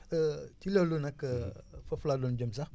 ci loolu nag foofu laa doon jëm sax